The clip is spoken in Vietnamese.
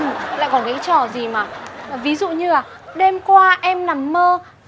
lại còn cái trò gì mà ví dụ như là đêm qua em nằm mơ